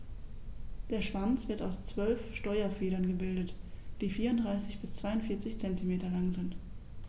Der Schwanz wird aus 12 Steuerfedern gebildet, die 34 bis 42 cm lang sind.